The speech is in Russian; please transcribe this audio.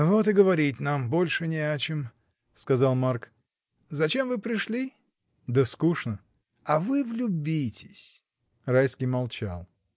— Вот и говорить нам больше не о чем! — сказал Марк. — Зачем вы пришли? — Да скучно. — А вы влюбитесь. Райский молчал.